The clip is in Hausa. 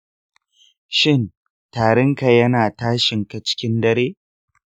shin tarinka yana tashinka cikin dare?